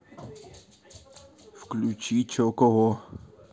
включи че кого